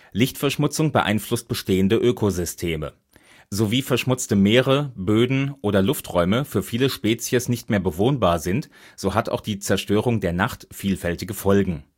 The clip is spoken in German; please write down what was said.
Lichtverschmutzung beeinflusst bestehende Ökosysteme. So wie verschmutzte Meere, Böden oder Lufträume für viele Spezies nicht mehr bewohnbar sind, so hat auch die Zerstörung der Nacht vielfältige Folgen